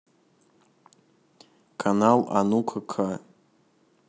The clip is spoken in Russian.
канал а ну ка ка